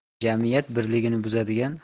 jamiyat birligini buzadigan